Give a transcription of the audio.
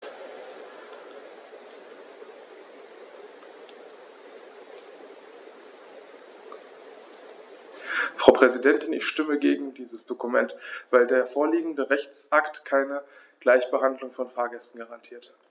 Frau Präsidentin, ich stimme gegen dieses Dokument, weil der vorliegende Rechtsakt keine Gleichbehandlung von Fahrgästen garantiert.